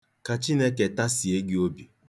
Ka Chineke tasie gị obi.